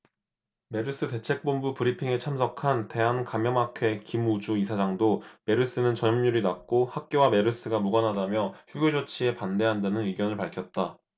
메르스 대책본부 브리핑에 참석한 대한감염학회 김우주 이사장도 메르스는 전염률이 낮고 학교와 메르스가 무관하다며 휴교 조치에 반대한다는 의견을 밝혔다